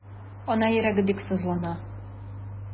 Ана йөрәге бик сызлана.